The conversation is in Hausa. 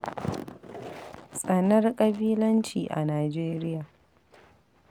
Tsanar ƙabilanci a Nijeriya